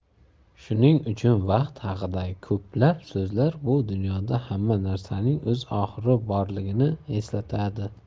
shuning uchun vaqt haqidagi ko'plab so'zlar bu dunyoda hamma narsaning o'z oxiri borligini eslatadi